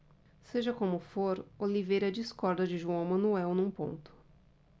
seja como for oliveira discorda de joão manuel num ponto